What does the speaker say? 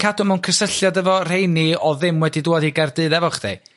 cadw mewn cysylltiad efo rheini o'dd ddim wedi dwad i Gaerdydd efo chdi?